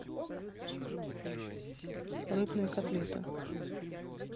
рыбные котлеты